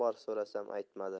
bor so'rasam aytmadi